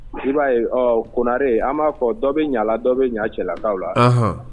I'a kore an b'a fɔ dɔ bɛ ɲala dɔ bɛ ɲa cɛlalakaw la